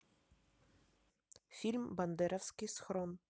фильм бандеровский схрон